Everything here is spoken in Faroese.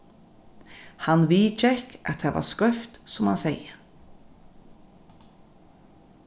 hann viðgekk at tað var skeivt sum hann segði